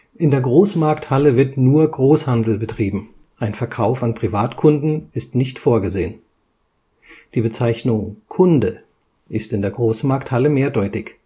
In der Großmarkthalle wird nur Großhandel betrieben, ein Verkauf an Privatkunden ist nicht vorgesehen. Die Bezeichnung Kunde ist in der Großmarkthalle mehrdeutig